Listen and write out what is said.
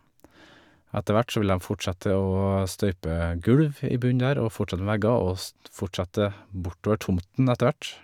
Etter hvert så vil dem fortsette å støype gulv i bunn der og fortsette med vegger og s fortsette bortover tomten etter hvert.